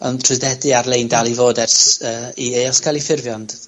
yn trwyddedu ar-lein dal i fod ers yy i Eos ca'l 'i ffurfio ond...